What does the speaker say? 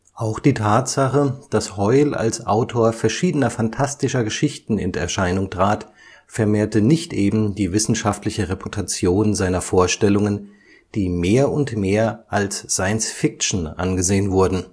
Auch die Tatsache, dass Hoyle als Autor verschiedener fantastischer Geschichten in Erscheinung trat, vermehrte nicht eben die wissenschaftliche Reputation seiner Vorstellungen, die mehr und mehr als Science Fiction angesehen wurden